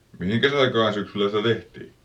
mihinkäs aikaan syksyllä sitä tehtiin